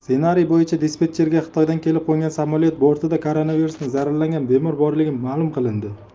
ssenariy bo'yicha dispetcherga xitoydan kelib qo'ngan samolyot bortida koronavirusdan zararlangan bemor borligi ma'lum qilindi